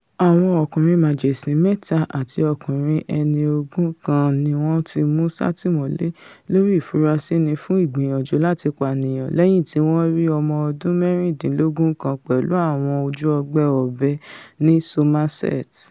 Àwọn ọmọkùnrin màjèsín mẹ́ta àti ọkùnrin ẹni ogún kan ni wọ́n ti mú sátìmọ́lé lórí ìfurasínì fún ìgbìyànjú láti pàniyàn lẹ́yìn tí wọ́n rí ọmọ ọdún mẹ́rìndínlógún kan pẹ̀lú àwọn ojú-ọgbẹ́ ọ̀bẹ ní Somerset.